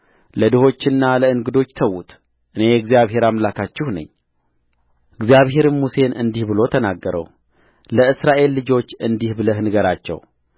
ለድሆችና ለእንግዶች ተዉት እኔ እግዚአብሔር አምላካችሁ ነኝእግዚአብሔርም ሙሴን እንዲህ ብሎ ተናገረውለእስራኤል ልጆች እንዲህ ብለህ ንገራቸው